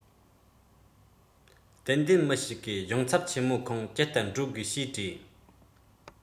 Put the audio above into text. ཏན ཏན མི ཞིག གིས གཞུང ཚབ ཆེ མོ ཁང ཅི ལྟར འགྲོ དགོས ཞེས དྲིས